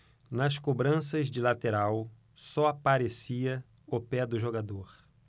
nas cobranças de lateral só aparecia o pé do jogador